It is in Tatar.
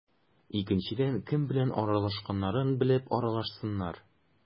Икенчедән, кем белән аралашканнарын белеп аралашсыннар.